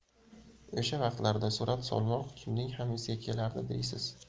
o'sha vaqtlarda surat solmoq kimning ham esiga kelardi deysiz